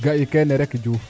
ga'i keene rek Diouf